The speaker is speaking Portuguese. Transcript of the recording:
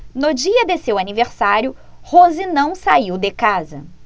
no dia de seu aniversário rose não saiu de casa